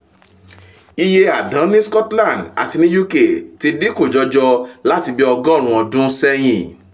Iye àdán ní Scotland àti ní Uk ti dínkù jọjọ láti bí ọgọ́rùn ún ọdún ṣẹ́yìn.